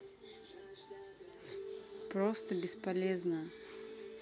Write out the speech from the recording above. просто бесполезно